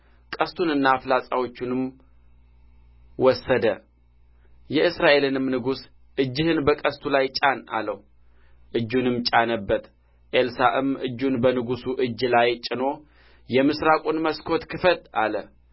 ቀስቱንና ፍላጻዎችንም ወሰደ የእስራኤልንም ንጉሥ እጅህን በቀስቱ ላይ ጫን አለው እጁንም ጫነበት ኤልሳዕም እጁን በንጉሡ እጅ ላይ ጭኖ የምስራቁን መስኮት ክፈት አለ